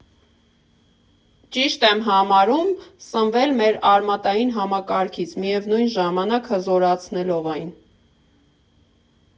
Ճիշտ եմ համարում սնվել մեր արմատային համակարգից՝ միևնույն ժամանակ հզորացնելով այն։